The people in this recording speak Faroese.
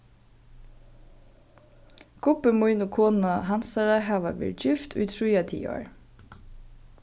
gubbi mín og kona hansara hava verið gift í yvir tríati ár